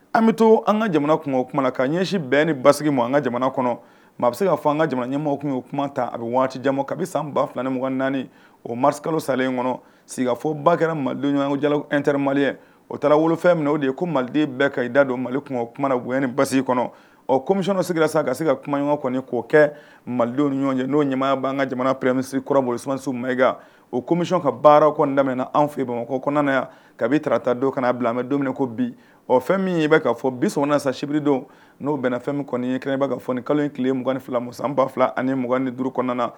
An bɛ to an ka jamana kun o kumaumana na ka ɲɛsin bɛn ni basi ma an ka jamana kɔnɔ maa bɛ se k kaa an ka jamana ɲɛmɔgɔ tun' o kuma ta a bɛ waati jan ka bɛ san ban0 ni mugan naani olo salen in kɔnɔ sigikafɔ ba kɛra mali ɲɔgɔn jater maliye o taara wolofɛn min o de ye ko maliden bɛɛ ka i da don mali kun kumaumana na bonya ni basi in kɔnɔ ɔ kɔmimi sigira sisan ka se ka kumaɲɔgɔn ɲɔgɔn kɔni k'o kɛ mali ɲɔgɔn ye n'o ɲɛmaaya b'an ka jamana presi kɔrɔ mɔn ssiw maeka o komiy ka baara kɔn daminɛ anw fɛ yen bamakɔ kɔnɔna yan kabi taarata don ka'a bila an bɛ dumuni ko bi ɔ fɛn min i bɛ ka fɔ bi sabanan sa sibiri don n'o bɛn fɛn min kɔni ye kelen' ka foni kalo in tile mugan2 fila mu san ba fila ani mugan ni duuru kɔnɔna na